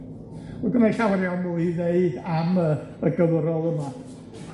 Ma' gynnai llawer iawn mwy i ddeud am yy y gyfrol yma.